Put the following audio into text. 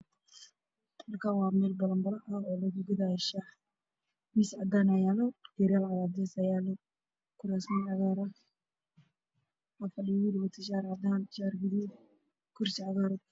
Waa tendho waxaa fadhiya niman waxay wataan shaati cadaan ah shaaxa iyo cabayaan waxaa ii muuqato maamo